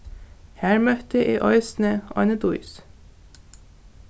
har møtti eg eisini eini dís